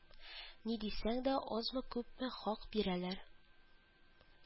Ни дисәң дә, азмы күпме хак бирәләр